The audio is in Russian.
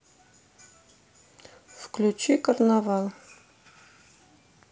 включи карнавал